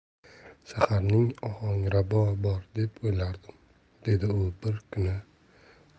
shaharning ohanrabosi bor deb o'ylardim